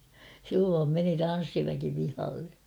silloin meni tanssiväki pihalle